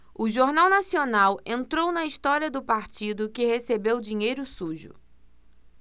o jornal nacional entrou na história do partido que recebeu dinheiro sujo